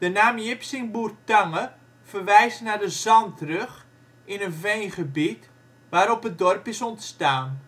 naam Jipsingboertange verwijst naar de zandrug (in een veengebied) waarop het dorp is ontstaan